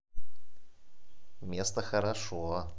место хорошо